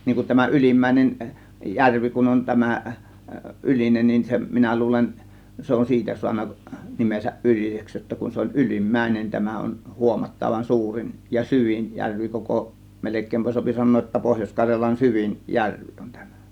niin kun tämä Ylimmäinen järvi kun on tämä Ylinen niin se minä luulen se on siitä saanut nimensä Yliseksi jotta kun se oli Ylimmäinen tämä on huomattavan suurin ja syvin järvi koko melkein saa sanoa jotta Pohjois-Karjalan syvin järvi on tämä